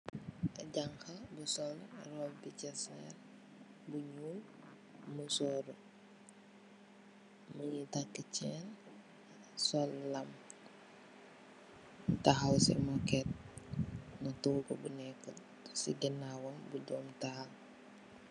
Jangha bu sol robu chosan bu ñuul mu musóor. mungi takk chenn, sol lam, tahaw ci muket. Amna toogu bu nekka ci ganaaw bi doomital.